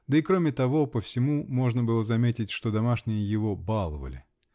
да и кроме того по всему можно было заметить, что домашние его баловали.